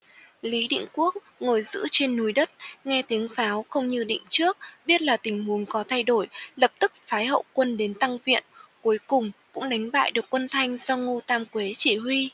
lý định quốc ngồi giữ trên núi đất nghe tiếng pháo không như định trước biết là tình huống có thay đổi lập tức phái hậu quân đến tăng viện cuối cùng cũng đánh bại được quân thanh do ngô tam quế chỉ huy